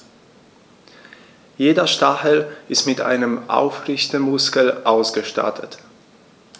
Jeder Stachel ist mit einem Aufrichtemuskel ausgestattet.